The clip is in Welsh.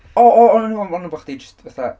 O, o, o, o'n i'n meddwl bod chdi jyst fatha